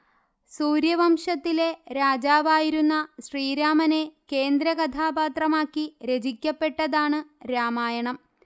സൂര്യവംശത്തിലെ രാജാവായിരുന്ന ശ്രീരാമനെ കേന്ദ്രകഥാപാത്രമാക്കി രചിക്കപ്പെട്ടതാണ് രാമായണം